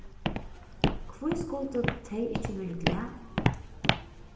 hví skuldu tey ikki verið glað